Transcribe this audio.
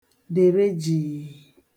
dère jìì